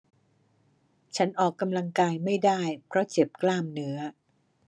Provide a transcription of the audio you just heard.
ฉันออกกำลังกายไม่ได้เพราะเจ็บกล้ามเนื้อ